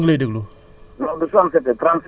d' accord léegi Ablaye mu ngi lay déglu